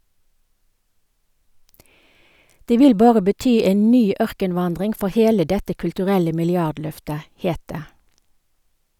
Det vil bare bety en ny ørkenvandring for hele dette kulturelle milliardløftet, het det.